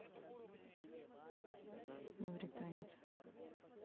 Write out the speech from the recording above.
мавританец